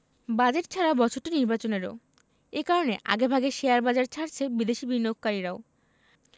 budget ছাড়া বছরটি নির্বাচনেরও এ কারণে আগেভাগে শেয়ারবাজার ছাড়ছে বিদেশি বিনিয়োগকারীরাও